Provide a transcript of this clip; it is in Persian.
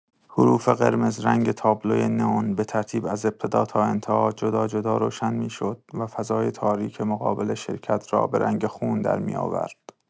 حروف قرمزرنگ تابلوی نئون به ترتیب از ابتدا تا انتها جداجدا روشن می‌شد و فضای تاریک مقابل شرکت را به رنگ خون درمی‌آورد.